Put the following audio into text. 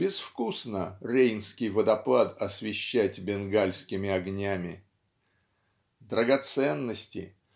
безвкусно Рейнский водопад освещать бенгальскими огнями. Драгоценности